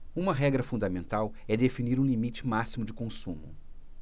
uma regra fundamental é definir um limite máximo de consumo